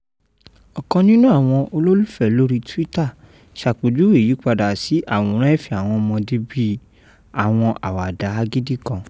Ọ̀kan nínú àwọn olólùfẹ́ lóríi Twitter ṣàpèjúwe ìyípadà sí àwòrán ẹ̀fẹ̀ àwọn ọmọdé bíi “àwọn àwàdà agídí kan.”